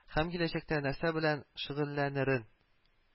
Һәм киләчәктә нәрсә белән шөгыльләнерен